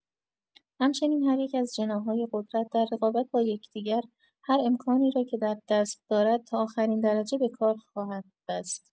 همچنین هر یک از جناح‌های قدرت در رقابت با یکدیگر هر امکانی را که در دست دارد تا آخرین درجه به کار خواهد بست.